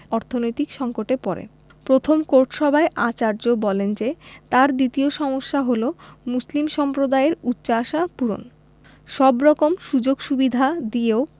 অর্থনৈতিক সংকটে পড়ে প্রথম কোর্ট সভায় আচার্য বলেন যে তাঁর দ্বিতীয় সমস্যা হলো মুসলিম সম্প্রদায়ের উচ্চাশা পূরণ সব রকম সুযোগসুবিধা দিয়েও